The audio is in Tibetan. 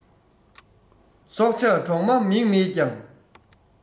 སྲོག ཆགས གྲོག མ མིག མེད ཀྱང